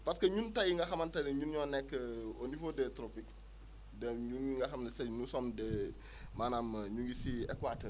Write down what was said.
parce que ñun tey nga xamante ne ñun ñoo nekk au niveau des topiques de ñun ñi nga xam ne c' est nous sommes des maanaam ñu ngi si Equateur bi